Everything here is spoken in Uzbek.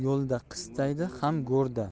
yo'lda qistaydi ham go'rda